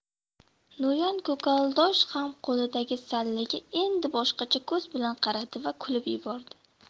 no'yon ko'kaldosh ham qo'lidagi sallaga endi boshqacha ko'z bilan qaradi va kulib yubordi